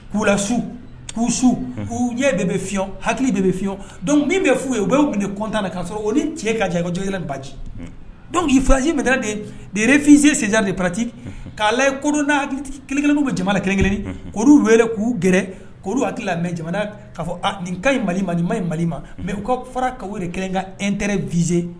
K'ula su k'u suu ɲɛ bɛ bɛ fi hakili bɛ bɛ fiɲɛ dɔnkuc min bɛ fɔ ye u min de kɔntan na k' sɔrɔ o ni cɛ ka jan kajɔ baji dɔnkui filasi minɛda de dere fize sen de parati k'a ye kouna kelen-kelen bɛ jamanala kelen- kelen' wele k'u gɛrɛ' hakili la mɛ jamana'a fɔ a nin ka ɲi mali ma nin maye mali ma mɛ ka fara kawo de kɛ ka et vze